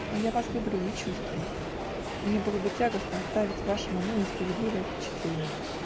но я вас люблю, и чувствую: мне было бы тягостно оставить в вашем уме несправедливое впечатление.